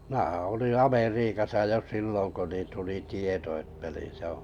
minähän olin Amerikassa jo silloin kun niin tuli tieto että niin se on